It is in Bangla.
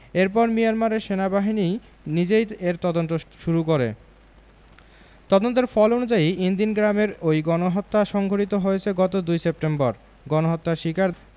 এরপর মিয়ানমার সেনাবাহিনী নিজেই এর তদন্ত শুরু করে তদন্তের ফল অনুযায়ী ইনদিন গ্রামের ওই গণহত্যা সংঘটিত হয়েছে গত ২ সেপ্টেম্বর গণহত্যার শিকার